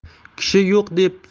kishi yo'q deb